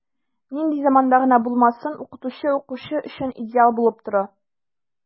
Нинди заманда гына булмасын, укытучы укучы өчен идеал булып тора.